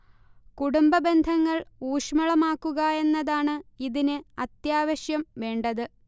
കുടുംബബന്ധങ്ങൾ ഊഷ്മളമാക്കുക എന്നതാണ് ഇതിന് അത്യാവശം വേണ്ടത്